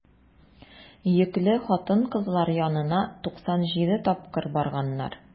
Йөкле хатын-кызлар янына 97 тапкыр барганнар.